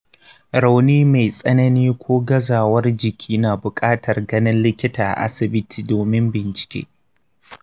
rauni mai tsanani ko gazawar jiki na bukatar ganin likita a asibiti domin bincike.